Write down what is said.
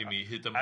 i mi hyd yma,